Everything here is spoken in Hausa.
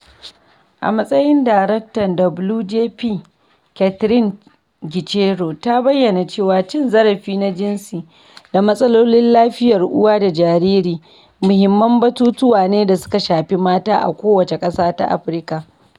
A matsayin daraktan AWJP, Catherine Gicheru ta bayyana cewa cin zarafi na jinsi da matsalolin lafiyar uwa da jariri muhimman batutuwa ne da suka shafi mata a kowace ƙasa ta Afirka.